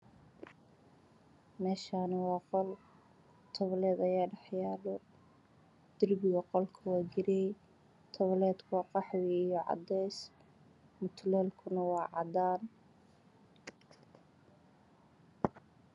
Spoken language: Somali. Meeshan waa qol qabaleed ayaa dhex yaalo darbigiisu waa gree dabaleedku waa qaxooy duleedku waa cadays